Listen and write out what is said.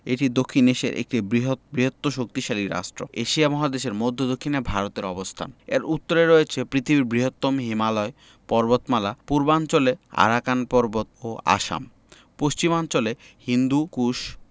এটি দক্ষিন এশিয়ার একটি বৃহৎ ও শক্তিশালী রাষ্ট্র এশিয়া মহাদেশের মদ্ধ্য দক্ষিনে ভারতের অবস্থান এর উত্তরে রয়েছে পৃথিবীর বৃহত্তম হিমালয় পর্বতমালা পূর্বাঞ্চলে আরাকান পর্বত ও আসাম পশ্চিমাঞ্চলে হিন্দুকুশ